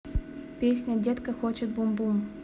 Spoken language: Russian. песня детка хочет бум бум